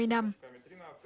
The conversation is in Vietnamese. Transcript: năm